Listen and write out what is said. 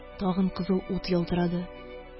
Тагын кызыл ут ялтырады